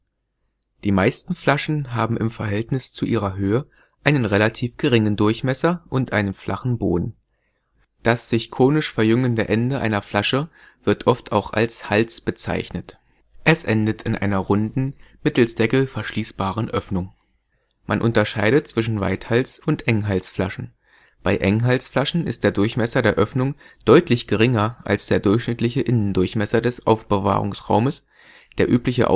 Die meisten Flaschen haben im Verhältnis zu ihrer Höhe einen relativ geringen Durchmesser und einen flachen Boden. Das sich konisch verjüngende Ende einer Flasche wird oft auch als „ Hals “bezeichnet. Es endet in einer runden, mittels Deckel verschließbaren Öffnung. Man unterscheidet zwischen Weithals - und Enghalsflaschen. Bei Enghalsflaschen ist der Durchmesser der Öffnung deutlich geringer als der durchschnittliche Innendurchmesser des Aufbewahrungsraumes; der übliche